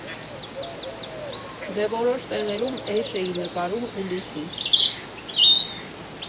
Դե, որոշ տեղերում էշ էի նկարում ու լուսին։